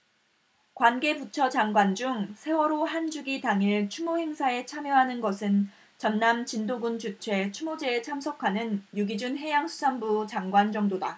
관계 부처 장관 중 세월호 한 주기 당일 추모 행사에 참여하는 것은 전남 진도군 주최 추모제에 참석하는 유기준 해양수산부 장관 정도다